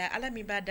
Ala min b'a da